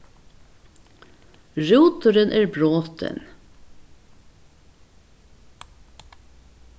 rúturin er brotin